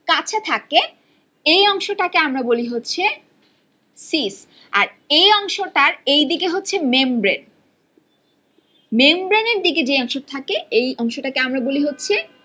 কাছে থাকে এই অংশটা কে আমরা বলি হচ্ছে সিস আর এই অংশটার এইদিকে হচ্ছে মেমব্রেন মেমব্রেন এর দিকে যে অংশ থাকে এই অংশটা কে আমরা বলি হচ্ছে